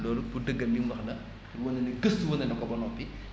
loolu pour dëggal li mu wax la pour wane ne gëstu wane na ko ba noppi